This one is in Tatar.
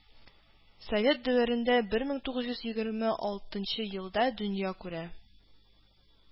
Совет дәверендә бер мең тугыз йөз егерме алтынчы елда дөнья күрә